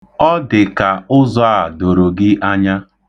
Ọ dị ka ụzọ a doro gị anya.